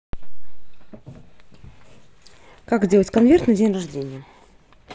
как сделать конверт на день рождения